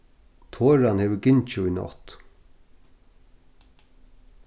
toran hevur gingið í nátt